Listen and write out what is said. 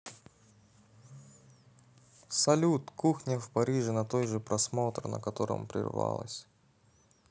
салют кухня в париже на тот же просмотр на котором прервалось